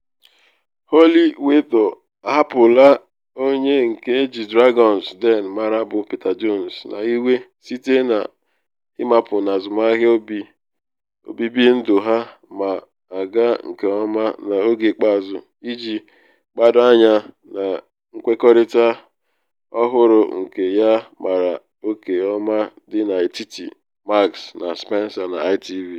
Holly Willoughby ahapụla onye nke eji Dragons” Den mara bụ Peter Jones n’iwe site na ịmapụ n’azụmahịa obibi ndụ ha na aga nke ọma n’oge ikpeazụ - iji gbado anya na nkwekọrịta ọhụrụ nke ya mara oke ọma dị n’etiti Marks & Spencer na ITV.